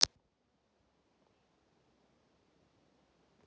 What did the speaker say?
захватывающий детектив